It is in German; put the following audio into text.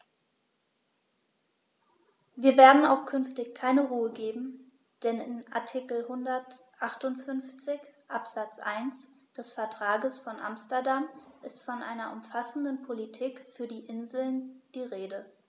Wir werden auch künftig keine Ruhe geben, denn in Artikel 158 Absatz 1 des Vertrages von Amsterdam ist von einer umfassenden Politik für die Inseln die Rede.